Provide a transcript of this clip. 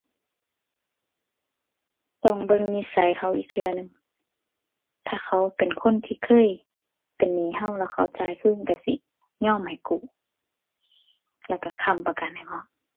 ต้องเบิ่งนิสัยเขาอีกเทื่อหนึ่ง ถ้าเขาเป็นคนที่เคยเป็นหนี้เรา แล้วเขาจ่ายคืนเราสิยอมให้กู้ แล้วเราค้ำประกันให้พร้อม